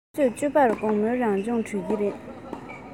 ཆུ ཚོད བཅུ པར དགོང མོའི རང སྦྱོང གྲོལ གྱི རེད